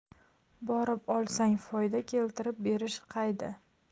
borib olsang foyda keltirib berish qayda